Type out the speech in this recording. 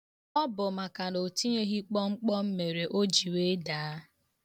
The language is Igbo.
Ọ bụ makana o tinyeghị kpọmkpọm mere o ji wee daa.